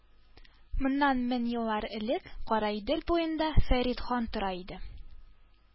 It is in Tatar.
Моннан мең еллар элек Кара Идел буенда Фәрит хан тора иде.